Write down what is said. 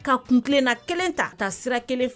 Ka kun kelenna kelen ta ka sira kelen fɛ